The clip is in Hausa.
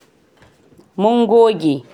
Mun goge.